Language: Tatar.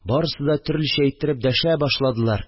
Барысы да төрлечә иттереп дәшә башладылар